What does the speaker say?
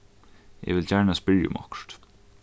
eg vil gjarna spyrja um okkurt